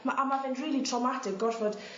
ma' a ma' fe'n rili traumatic gorfod